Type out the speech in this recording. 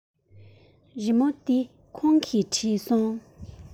རི མོ འདི ཁོང གིས བྲིས སོང